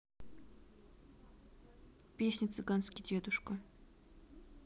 песня цыганский дедушка